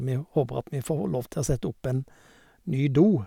Vi håper at vi får lov til å sette opp en ny do.